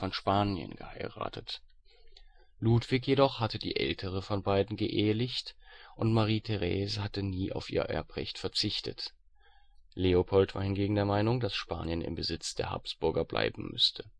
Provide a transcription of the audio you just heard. Spanien geheiratet. Ludwig jedoch hatte die ältere von beiden geehelicht und Marie-Thérèse hatte nie auf ihr Erbrecht verzichtet. Leopold war hingegen der Meinung, dass Spanien im Besitz der Habsburger bleiben müsste